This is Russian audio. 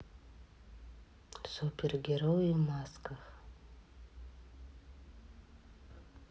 супергерои в масках